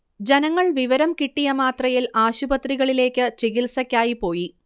ജനങ്ങൾ വിവരം കിട്ടിയമാത്രയിൽ ആശുപത്രികളിലേക്ക് ചികിത്സക്കായി പോയി